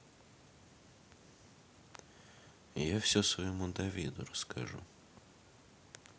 я все своему давиду расскажу